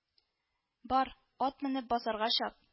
– бар, ат менеп базарга чап